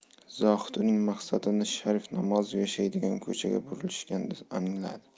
zohid uning maqsadini sharif namozov yashaydigan ko'chaga burilishganda angladi